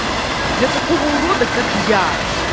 для такого урода как я